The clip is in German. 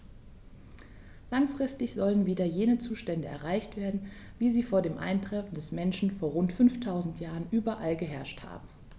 Langfristig sollen wieder jene Zustände erreicht werden, wie sie vor dem Eintreffen des Menschen vor rund 5000 Jahren überall geherrscht haben.